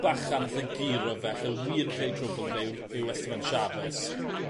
bachan alle guro fe alle wir creu trwbl i fe yw'r yw Esteban Chaves.